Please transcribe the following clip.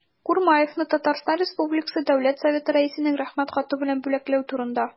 И.Х. Курмаевны Татарстан республикасы дәүләт советы рәисенең рәхмәт хаты белән бүләкләү турында